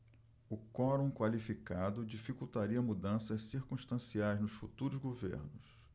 o quorum qualificado dificultaria mudanças circunstanciais nos futuros governos